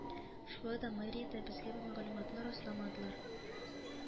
Шулай да мэриядә безгә бу мәгълүматны расламадылар